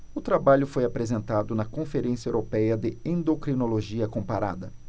o trabalho foi apresentado na conferência européia de endocrinologia comparada